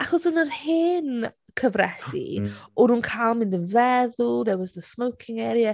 Achos yn yr hen cyfresi oedden nhw'n cael mynd yn feddw, there was the smoking area.